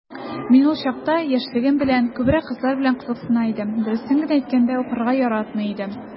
Мин ул чакта, яшьлегем белән, күбрәк кызлар белән кызыксына идем, дөресен генә әйткәндә, укырга яратмый идем...